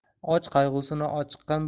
och qayg'usini ochiqqan